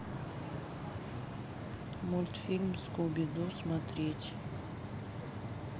мультфильм скуби ду смотреть